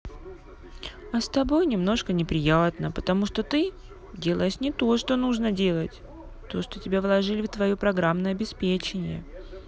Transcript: а с тобой немножко неприятно потому что ты делаешь не то что нужно делать то что тебя вложили в твое программное обеспечение